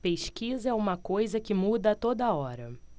pesquisa é uma coisa que muda a toda hora